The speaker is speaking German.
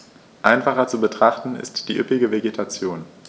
Einfacher zu betrachten ist die üppige Vegetation.